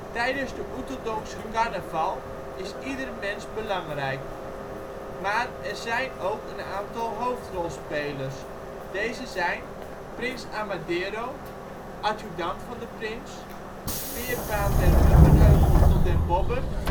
Tijdens de Oeteldonkse carnaval is ieder mens belangrijk, maar zijn er ook een aantal hoofdrolspelers. Deze zijn: Prins Amadeiro Adjudant van de Prins Peer vaan den Muggenheuvel tot den Bobberd